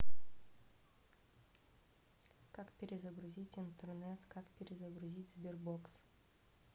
как перезагрузить интернет как перегрузить sberbox